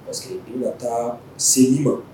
Parce que u na taa se i ma